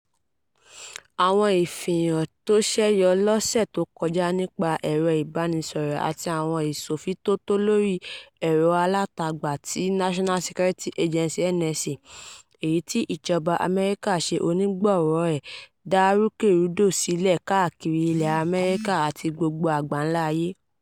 Àwọn ìfìhàn tó ṣẹ́yọ lọ́ṣẹ̀ tó kọjá nípa ẹ̀rọ ìbánísọ̀rọ̀ àti àwọn ìṣofintótó lórí ẹ̀rọ alátagbà tí National Security Agency (NSA) èyí tí ìjọba Àmẹ́ríkà ṣe onígbọ̀wọ́ ẹ̀ dá rúkèrúdò sílẹ̀ káàkiri ilẹ̀ Àmẹ́ríkà àti gbogbo àgbánlá ayé.